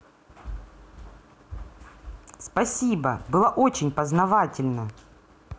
спасибо было очень познавательно